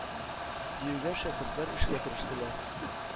Диюгә, шәкертләр эшкә керештеләр.